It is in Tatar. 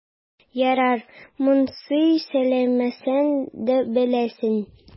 Ярар, монысын сөйләмәсәм дә беләсең.